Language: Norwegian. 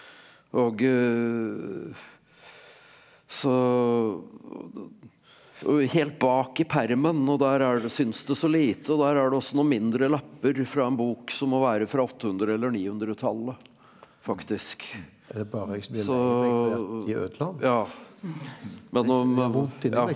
og så helt bak i permen og der er syns det så lite og der er det også noen mindre lapper fra en bok som må være fra åttehundre- eller nihundretallet faktisk så ja men om ja.